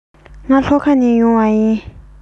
ང ལྷོ ཁ ནས ཡོང པ ཡིན